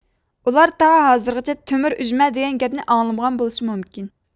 ئۇلار تاھازىرغىچە تۆمۈر ئۇژمە دېگەن گەپنى ئاڭلىمىغان بولۇشى مۇمكىن